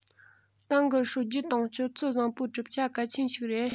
ཏང གི སྲོལ རྒྱུན དང སྤྱོད ཚུལ བཟང པོའི གྲུབ ཆ གལ ཆེན ཞིག རེད